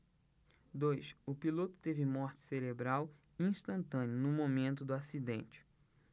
dois o piloto teve morte cerebral instantânea no momento do acidente